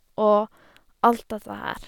Og alt dette her.